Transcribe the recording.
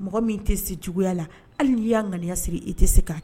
Mɔgɔ min tɛ se juguya la, hali n'i y'a ŋaniya siri i tɛ se k'